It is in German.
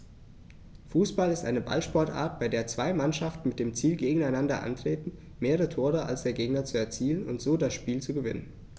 Fußball ist eine Ballsportart, bei der zwei Mannschaften mit dem Ziel gegeneinander antreten, mehr Tore als der Gegner zu erzielen und so das Spiel zu gewinnen.